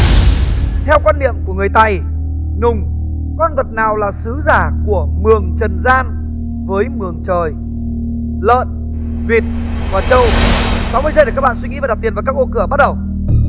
theo quan niệm của người tày nùng con vật nào là sứ giả của mường trần gian với mường trời lợn vịt và trâu sáu mươi giây để các bạn suy nghĩ và đặt tiền vào các ô cửa bắt đầu